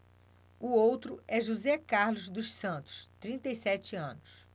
o outro é josé carlos dos santos trinta e sete anos